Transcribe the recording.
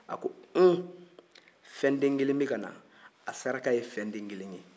a ko hun fɛn den kelen bɛ ka na a saraka ye fɛn den kelen ye